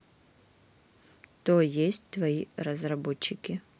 то есть твои разработчики